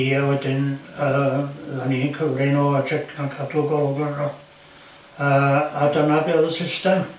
i ni a wedyn yy o'ddan ni'n cyfri nhw a sie- cadw golwg arnyn n'w yy a dyna be oedd y sysdem.